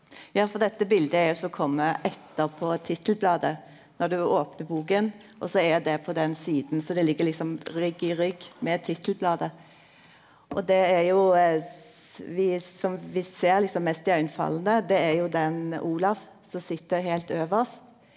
ja for dette bildet er jo som kjem etterpå tittelbladet når du opnar boka og så er det på den sida så det ligg liksom rygg i rygg med tittelbladet og det er jo vi som vi ser liksom mest iaugefallande det er jo den Olav som sit heilt øvst.